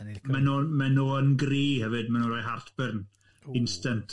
A maen nhw'n maen nhw yn gry hefyd, maen nhw'n rhoi heartburn instant.